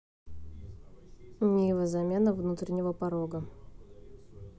нива замена внутреннего порога